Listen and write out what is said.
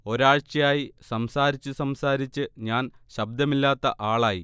ഒരാഴ്ചയായി സംസാരിച്ച് സംസാരിച്ച് ഞാൻ ശബ്ദമില്ലാത്ത ആളായി